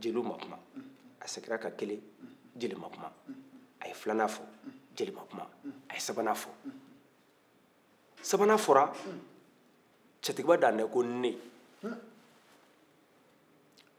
jeliw ma kuma a seginna kan kelen jeli ma kuma a ye filannan fɔ jeli ma kuma a ye sabannan fɔ sabannan fɔra cetigiba dante ko n ne